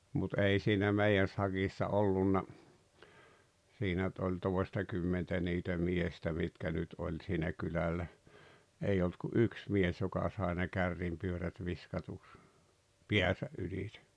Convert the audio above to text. mutta ei siinä meidän sakissa ollut siinä nyt oli toistakymmentä niitä miestä mitkä nyt oli siinä kylällä ei ollut kuin yksi mies joka sai ne kärrynpyörät viskatuksi päänsä ylitse